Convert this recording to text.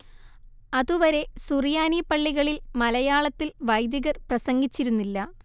അതുവരെ സുറിയാനി പള്ളികളിൽ മലയാളത്തിൽ വൈദികർ പ്രസംഗിച്ചിരുന്നില്ല